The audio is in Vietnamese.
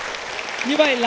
như vậy